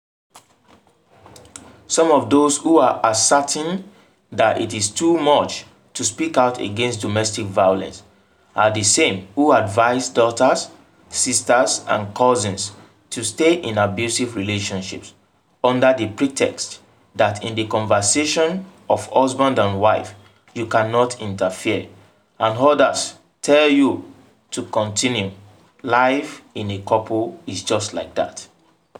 Some of those who are … asserting that it is too much [to speak out against domestic violence], are the same who advise daughters, sisters, and cousins to stay in abusive relationships, under the pretext that in the conversation of husband and wife you cannot interfere, and others tell you to continue, life in a couple is just like that...